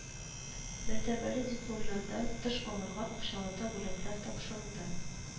Мәртәбәле дипломнардан тыш аларга акчалата бүләкләр тапшырылды